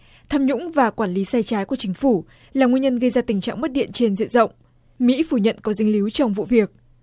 tham nhũng và quản lý sai trái của chính phủ là nguyên nhân gây ra tình trạng mất điện trên diện rộng mỹ phủ nhận có dính líu trong vụ việc